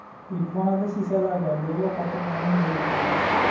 yukxonada shishalar bor lo'li xotinlaring berib yuborishdi